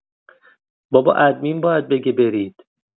بابا ادمین باید بگه برید